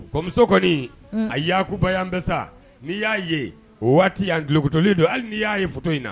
Ko muso kɔni a y yakuba an bɛ sa n'i y'a ye o waati'anlokutuli don hali n'i y'a ye to in na